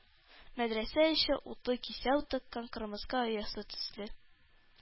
Мәдрәсә эче, утлы кисәү тыккан кырмыска оясы төсле,